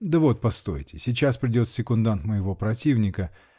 Да вот постойте, сейчас придет секундант моего противника.